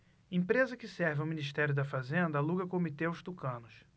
empresa que serve ao ministério da fazenda aluga comitê aos tucanos